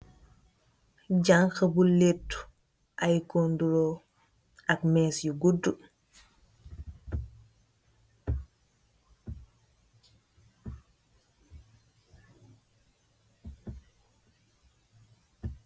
Janka bu lèttu ay kondulor ak mès yu gudu.